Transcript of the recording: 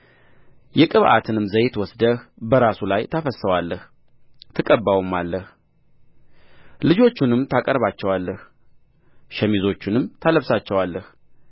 የቅብዓትንም ዘይት ወስደህ በራሱ ላይ ታፈስሰዋለህ ትቀባውማለህ ልጆቹንም ታቀርባቸዋለህ ሸሚዞቹንም ታለብሳቸዋለህ